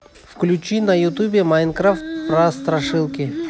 включи на ютубе майнкрафт про страшилки